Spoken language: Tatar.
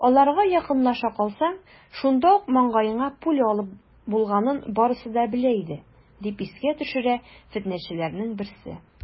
Аларга якынлаша калсаң, шунда ук маңгаеңа пуля алып булганын барысы да белә иде, - дип искә төшерә фетнәчеләрнең берсе.